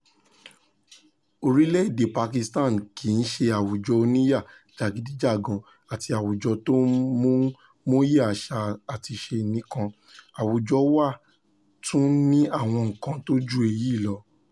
Orílẹ̀-èdè Pakistan kì í ṣe àwùjọ oníwà jàgídíjàgan àti àwùjọ tó mọ̀yi àṣà àtiṣe níkàn, àwùjọ wa tún ní àwọn nǹkan tó ju èyí lọ